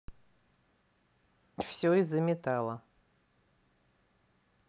все из за металла